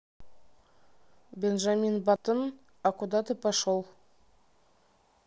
бенджамин баттон а куда ты пошел